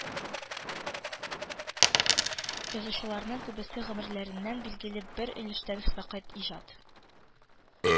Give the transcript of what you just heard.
Язучыларның күбесе гомерләренең билгеле бер өлешен фәкать иҗат